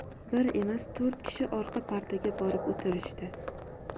bir emas to'rt kishi orqa partaga borib o'tirishdi